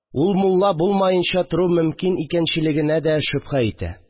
Ул мулла булмаенча тору мөмкин икәнлегенә дә шөбһә итә